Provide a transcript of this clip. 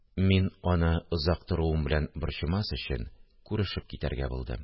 Мин, аны озак торуым белән борчымас өчен, күрешеп китәргә булдым